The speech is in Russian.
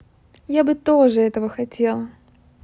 я бы тоже этого очень хотела